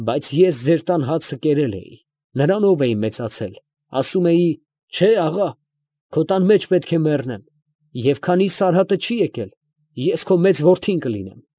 Բայց ես ձեր տան հացը կերել էի, նրանով էի մեծացել, ասում էի, ֊ չէ՛, աղա, քո տան մեջ պետք է մեռնեմ, և քանի Սարհատը չի եկել, ես քո մեծ որդին կլինեմ։